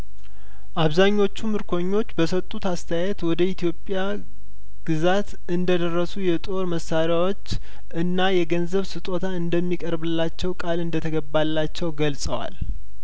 አብዛኞቹ ምርኮኞች በሰጡት አስተያየት ወደ ኢትዮጵያ ግዛት እንደደረሱ የጦር መሳሪያዎች እና የገንዘብ ስጦታ እንደሚቀርብላቸው ቃል እንደተገባላቸው ገልጸዋል